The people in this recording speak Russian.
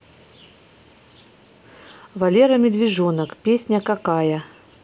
валера медвежонок песня какая